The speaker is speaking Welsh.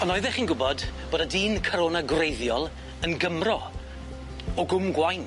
On' oeddech chi'n gwbod bod y dyn Corona gwreiddiol yn Gymro o Gwm Gwaun.